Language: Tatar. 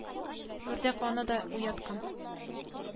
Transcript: Үрдәк аны да уяткан